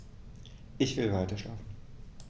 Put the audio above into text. Ich will weiterschlafen.